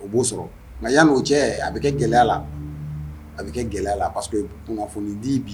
O b'o sɔrɔ nka ya o cɛ a bɛ kɛ gɛlɛya la a bɛ kɛ gɛlɛya kunnafoni di